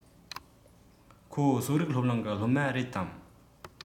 ཁོ གསོ རིག སློབ གླིང གི སློབ མ རེད དམ